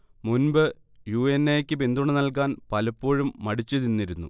മുൻപ് U. N. A. യ്ക്ക് പിന്തുണ നൽകാൻ പലപ്പോഴും മടിച്ച് നിന്നിരുന്നു